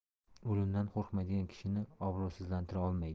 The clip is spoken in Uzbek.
o'limdan qo'rqmaydigan kishini obro'sizlantira olmaydi